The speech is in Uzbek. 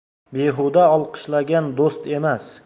behuda olqishlagan do'st emas